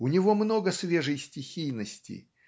У него много свежей стихийности